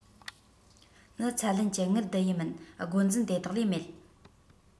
ནི ཚད ལེན གྱི དངུལ བསྡུ ཡི མིན སྒོ འཛིན དེ དག ལས མེད